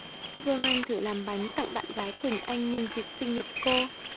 vương anh thử làm bánh tặng bạn gái quỳnh anh nhân dịp sinh nhật cô